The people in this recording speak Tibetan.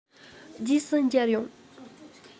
རྗེས སུ མཇལ ཡོང